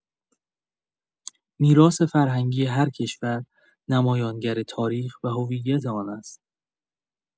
میراث‌فرهنگی هر کشور نمایانگر تاریخ و هویت آن است.